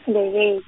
Ndebe-.